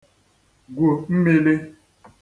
gwù mmīlī